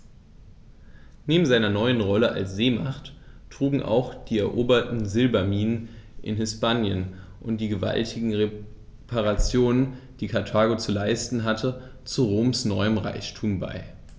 Neben seiner neuen Rolle als Seemacht trugen auch die eroberten Silberminen in Hispanien und die gewaltigen Reparationen, die Karthago zu leisten hatte, zu Roms neuem Reichtum bei.